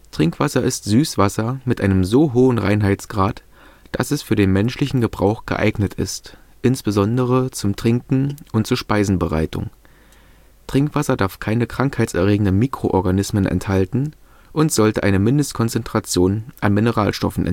Trinkwasser ist Süßwasser mit einem so hohen Reinheitsgrad, dass es für den menschlichen Gebrauch geeignet ist, insbesondere zum Trinken und zur Speisenbereitung. Trinkwasser darf keine krankheitserregenden Mikroorganismen enthalten und sollte eine Mindestkonzentration an Mineralstoffen